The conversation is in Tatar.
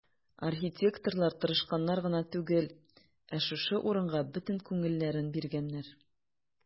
Архитекторлар тырышканнар гына түгел, ә шушы урынга бөтен күңелләрен биргәннәр.